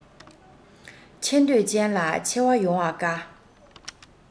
ཆེ འདོད ཅན ལ ཆེ བ ཡོང བ དཀའ